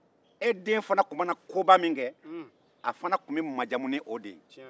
e den fana tun mana koba min kɛ a fana tun bɛ majamu ni o ye